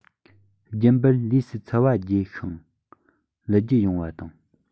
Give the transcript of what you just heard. རྒྱུན པར ལུས སུ ཚ བ རྒྱས ཤིང ལུ རྒྱུ ཡོང བ དང